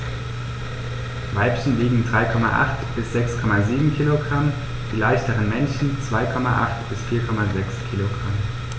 Weibchen wiegen 3,8 bis 6,7 kg, die leichteren Männchen 2,8 bis 4,6 kg.